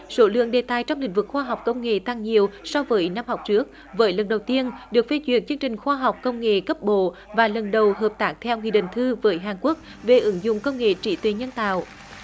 số lượng đề tài trong lĩnh vực khoa học công nghệ tăng nhiều so với năm học trước với lần đầu tiên được phê duyệt chương trình khoa học công nghệ cấp bộ và lần đầu hợp tác theo nghị định thư với hàn quốc về ứng dụng công nghệ trí tuệ nhân tạo